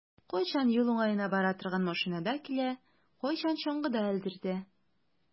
Кайчан юл уңаена бара торган машинада килә, кайчан чаңгыда элдертә.